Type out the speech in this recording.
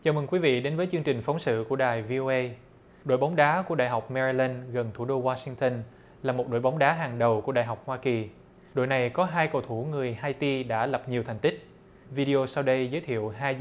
chào mừng quý vị đến với chương trình phóng sự của đài vi âu ây đội bóng đá của đại học me ry lừn gần thủ đô oa sinh tơn là một đội bóng đá hàng đầu của đại học hoa kì đội này có hai cầu thủ người hai ti đã lập nhiều thành tích vi đi âu sau đây giới thiệu hai